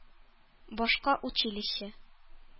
Башка училище